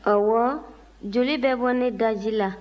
ɔwɔ joli bɛ bɔ ne daji la